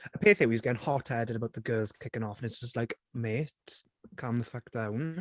Y peth yw he was getting hot-headed about the girls kicking off, and it's just like, "Mate, calm the fuck down."